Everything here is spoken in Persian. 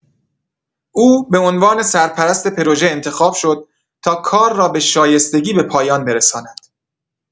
او به عنوان سرپرست پروژه انتخاب شد تا کار را به شایستگی به پایان برساند.